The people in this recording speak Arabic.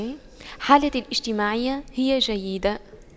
حالتي الاجتماعية هي جيدة